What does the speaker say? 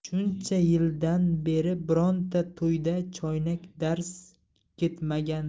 shuncha yildan beri bironta to'yda choynak darz ketmagan